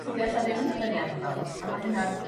tydi o ella ddim yn ddyfyniad i bawb a ma hynna'n...